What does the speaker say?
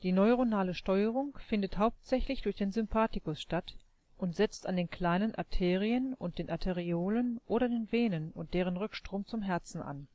neuronale Steuerung findet hauptsächlich durch den Sympathikus statt, und setzt an den kleinen Arterien und den Arteriolen oder den Venen und deren Rückstrom zum Herzen an